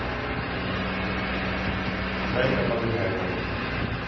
зайка побегайка